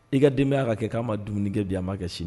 I ka denbaya ka kɛ k'a ma dumuni kɛ bi, a ma kɛ sini